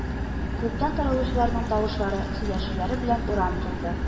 Клубтан таралучыларның тавышлары, сөйләшүләре белән урам тулды